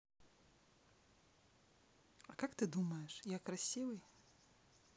а как ты думаешь я красивый